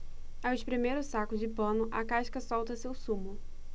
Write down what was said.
ao espremer o saco de pano a casca solta seu sumo